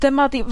dyma 'di